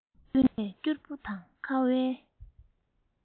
བསྟུན ནས སྐྱུར པོ དང ཁ བའི